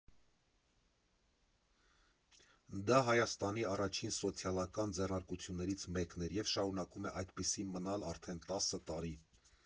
Դա Հայաստանի առաջին սոցիալական ձեռնարկություններից մեկն էր և շարունակում է այդպիսին մնալ արդեն տասը տարի։